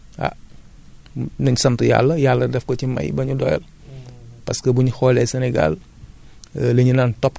mais phosphate Yàlla dafa def ni Sénégal a nañ sant Yàlla Yàlla def ko ci may ba ñu doyal